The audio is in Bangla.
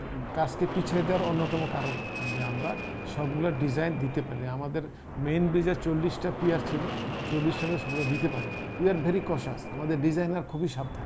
কাজ কে পিছায় দেয়ার অন্যতম কারণ যে আমরা সবগুলা ডিজাইন দিতে পারি নাই আমাদের মেইন পেইজে চল্লিশটা পিলার ছিল ৪০ টা পিলার সবগুলো দিতে পারি নাই উই আর ভেরি কশাস আমাদের ডিজাইনার খুবই সাবধানি